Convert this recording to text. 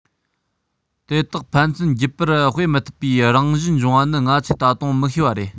དེ དག ཕན ཚུན རྒྱུད པ སྤེལ མི ཐུབ པའི རང བཞིན འབྱུང བ ནི ང ཚོས ད དུང མི ཤེས པ རེད